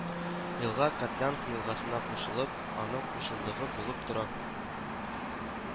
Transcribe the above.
Елга Котлянка елгасына кушылып, аның кушылдыгы булып тора